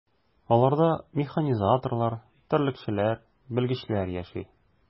Аларда механизаторлар, терлекчеләр, белгечләр яши.